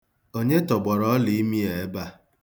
Onye tọgbọrọ ọliimi a ebe a?